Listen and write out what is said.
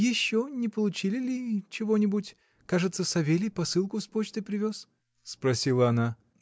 — Еще не получили ли чего-нибудь: кажется, Савелий посылку с почты привез? — спросила она.